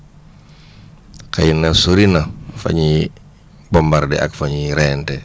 xëy na sori na fa ñuy bombardé ak fa ñuy reyantee